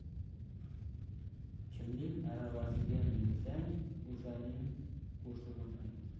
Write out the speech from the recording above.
kimning aravasiga minsang o'shaning qo'shig'ini ayt